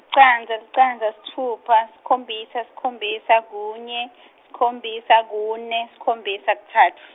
licandza licandza sitfupha sikhombisa sikhombisa kunye sikhombisa kune sikhombisa kutsatfu.